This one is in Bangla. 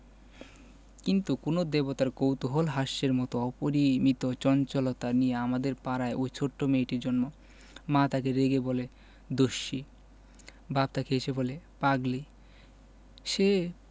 কিন্তু কোন দেবতার কৌতূকহাস্যের মত অপরিমিত চঞ্চলতা নিয়ে আমাদের পাড়ায় ঐ ছোট মেয়েটির জন্ম মা তাকে রেগে বলে দস্যি বাপ তাকে হেসে বলে পাগলি সে